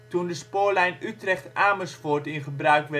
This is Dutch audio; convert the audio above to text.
toen de spoorlijn Utrecht - Amersfoort in gebruik